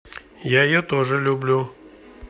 я ее тоже люблю